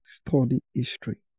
Study History